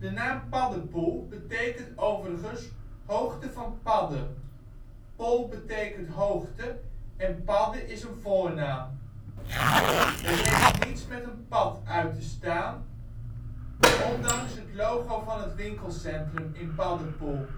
naam Paddepoel betekent overigens hoogte van Padde (Pol betekent hoogte en Padde is een voornaam) en heeft niets met een pad uit te staan, ondanks het logo van het winkelcentrum in Paddepoel